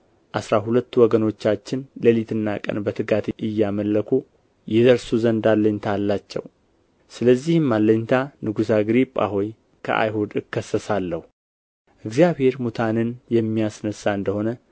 አሥራ ሁለቱ ወገኖቻችን ሌሊትና ቀን በትጋት እያመለኩ ይደርሱ ዘንድ አለኝታ አላቸው ስለዚህም አለኝታ ንጉሥ አግሪጳ ሆይ ከአይሁድ እከሰሳለሁ እግዚአብሔር ሙታንን የሚያስነሣ እንደ ሆነ